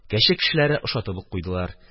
Кәче кешеләре ошатып ук куйдылар.